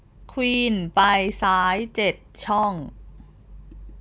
ควีนไปซ้ายเจ็ดช่อง